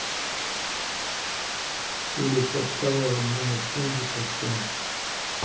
улица чкалова номер семьдесят семь